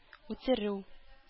Үтерү